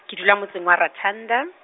ke dula motseng wa Rathanda.